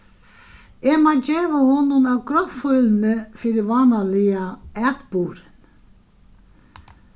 eg má geva honum av grovfílini fyri vánaliga atburðin